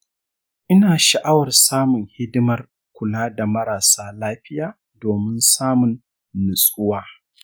ina sha’awar samun hidimar kula da marasa lafiya domin samun nutsuwa